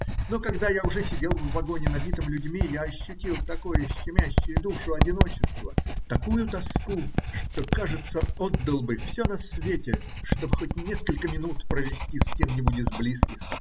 Но когда я уже сидел в вагоне, набитом людьми, я ощутил такое щемящее душу одиночество, такую тоску, что, кажется, отдал бы все на свете, чтоб хоть несколько минут провести с кем-нибудь из близких.